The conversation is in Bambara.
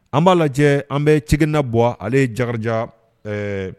An b'a lajɛ an bɛ ci na bɔ ale ye jaja ɛɛ